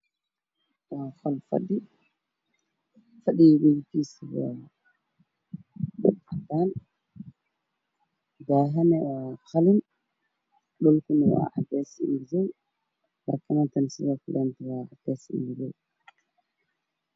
Waa qol fadhi waxaa yaalo fadhi caddaan ah daahiye ayaa ku xiran darbigu caddaan dhulka wacaddays